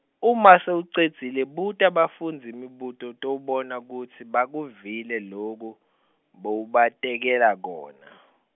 uma sewucedzile buta bafundzi imibuto utawubona kutsi bakuvile loku bewubatekela kona.